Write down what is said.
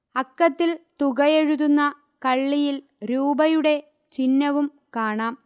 അക്കത്തിൽ തുകയെഴുതുന്ന കള്ളിയിൽ രൂപയുടെ ചിഹ്നവും കാണാം